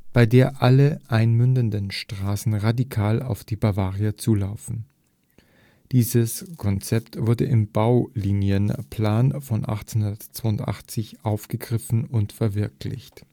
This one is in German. bei der alle einmündenden Straßen radial auf die Bavaria zulaufen. Dieses Konzept wurde im Baulinienplan von 1882 aufgegriffen und verwirklicht